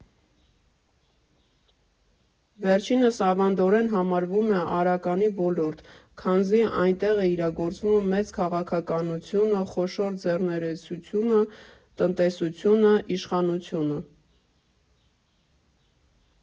Վերջինս ավանդորեն համարվում է արականի ոլորտ, քանզի այնտեղ է իրագործվում մեծ քաղաքականությունը, խոշոր ձեռներեցություն֊տնտեսությունը, իշխանությունը…